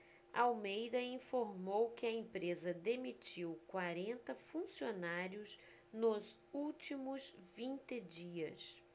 almeida informou que a empresa demitiu quarenta funcionários nos últimos vinte dias